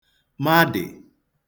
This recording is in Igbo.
madì